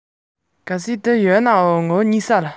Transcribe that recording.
ངས ཀྱང མིག ཤེལ ཤེལ དམ གྱི